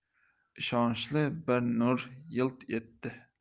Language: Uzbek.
ishonchli bir nur yilt etdi